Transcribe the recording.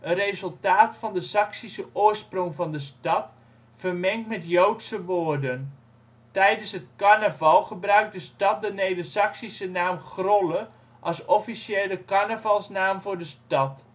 resultaat van de Saksische oorsprong van de stad, vermengd met Joodse woorden Tijdens de carnaval gebruikt de stad de Nedersaksische naam Grolle als officiële carnavalsnaam voor de stad